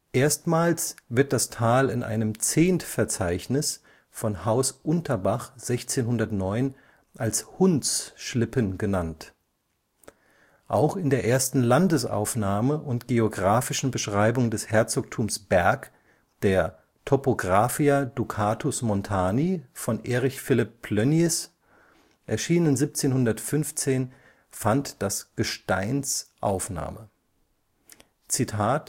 Erstmals wird das Tal in einem Zehntverzeichnis von Haus Unterbach 1609 als Hundtß Schlippen genannt. Auch in der ersten Landesaufnahme und geografischen Beschreibung des Herzogtums Berg, der Topographia Ducatus Montani von Erich Philipp Ploennies, erschienen 1715, fand das Gesteins Aufnahme: „ In